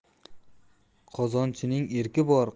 qozonchining erki bor